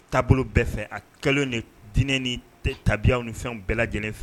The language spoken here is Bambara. Taabolo bɛɛ fɛ a kɛlen ni diinɛ ni tabiya ni fɛn bɛɛ lajɛlen fɛ